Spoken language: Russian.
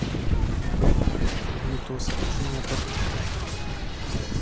витос днепр